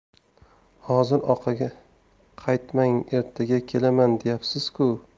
hozir orqaga qaytmang ertaga kelaman deyapsiz ku